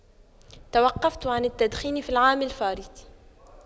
توقفت عن التدخين في العام الفارط